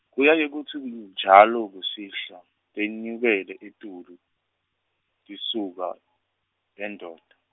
kuyaye kutsi njalo kusihlwa tenyukele etulu, tisuka eNdonda.